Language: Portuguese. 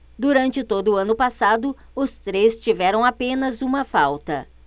durante todo o ano passado os três tiveram apenas uma falta